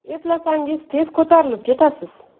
eplasangiz tez ko'tarilib ketasiz